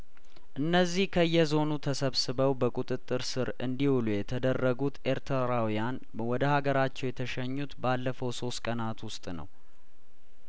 እነዚህ ከየዞኑ ተሰብስበው በቁጥጥር ስር እንዲውሉ የተደረጉት ኤርትራውያን ወደ ሀገራቸው የተሸኙት ባለፈው ሶስት ቀናት ውስጥ ነው